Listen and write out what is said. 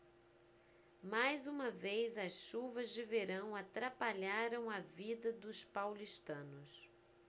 mais uma vez as chuvas de verão atrapalharam a vida dos paulistanos